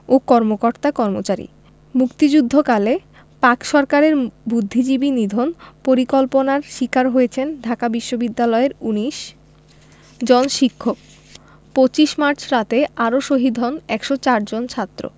ও কর্মকর্তা কর্মচারী মুক্তিযুদ্ধকালে পাক সরকারের বুদ্ধিজীবী নিধন পরিকল্পনার শিকার হয়েছেন ঢাকা বিশ্ববিদ্যাপলয়ের ১৯ জন শিক্ষক ২৫ মার্চ রাতে আরো শহীদ হন ১০৪ জন ছাত্র